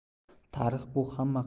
tarix bu hamma